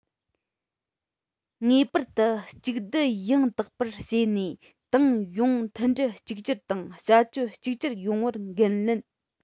ངེས པར དུ གཅིག སྡུད ཡང དག པར བྱས ནས ཏང ཡོངས མཐུན སྒྲིལ གཅིག གྱུར དང བྱ སྤྱོད གཅིག གྱུར ཡོང བར འགན ལེན